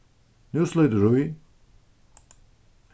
nú slítur í